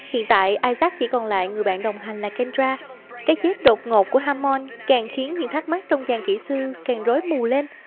hiện tại isaac chỉ còn lại người bạn đồng hành là kendra cái chết đột ngột của hammond càng khiến những thắc mắc trong chàng kỹ sư càng rối mù lên